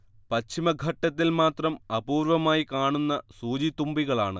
പശ്ചിമഘട്ടത്തിൽ മാത്രം അപൂർവ്വമായി കാണുന്ന സൂചിത്തുമ്പികളാണ്